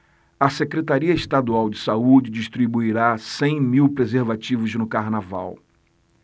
a secretaria estadual de saúde distribuirá cem mil preservativos no carnaval